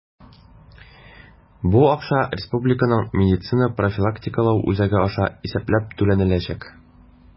Бу акча Республиканың медицина профилактикалау үзәге аша исәпләп түләнеләчәк.